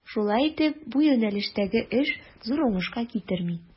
Шулай итеп, бу юнәлештәге зур эш уңышка китерми.